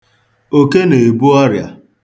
Oke na-ebu ọrịa.